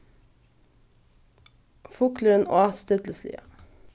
fuglurin át stillisliga